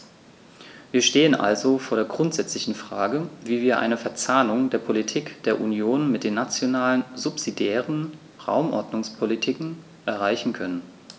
Wir stehen also vor der grundsätzlichen Frage, wie wir eine Verzahnung der Politik der Union mit den nationalen subsidiären Raumordnungspolitiken erreichen können.